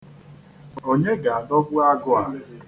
Onye ga-adọgbu agụ a?